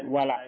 voilà